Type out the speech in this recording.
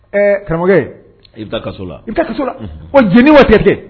Ɛɛ karamɔgɔkɛ i bɛ taa kaso la i so la ko jeni wa tɛ ten